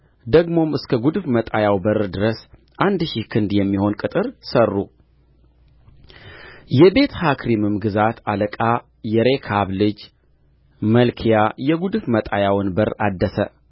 ደግሞም እስከ ጕድፍ መጣያው በር ድረስ አንድ ሺህ ክንድ የሚሆን ቅጥር ሠሩ የቤትሐካሪምም ግዛት አለቃ የሬካብ ልጅ መልክያ የጕድፍ መጣያውን በር አደሰ